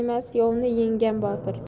emas yovni yengan botir